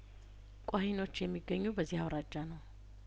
ቋሂኖች የሚገኙ በዚህ አውራጃ ነው